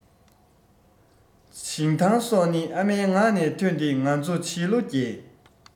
ཞིང ཐང སོགས ནི ཨ མའི ངག ནས ཐོན ཏེ ང ཚོའི བྱིས བློ རྒྱས